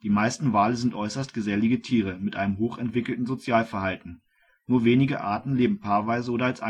meisten Wale sind äußerst gesellige Tiere mit einem hoch entwickelten Sozialverhalten, nur wenige Arten leben paarweise oder als